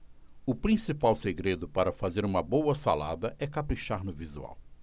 o principal segredo para fazer uma boa salada é caprichar no visual